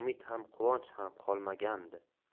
umid ham quvonch ham qolmagandi